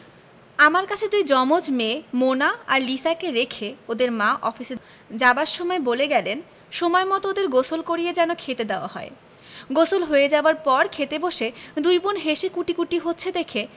আমার কাছে দুই জমজ মেয়ে মোনা আর লিসাকে রেখে ওদের মা অফিসে যাবার সময় বলে গেলেন সময়মত ওদের গোসল করিয়ে যেন খেতে দেওয়া হয় গোসল হয়ে যাবার পর খেতে বসে দুই বোন হেসে কুটিকুটি হচ্ছে দেখে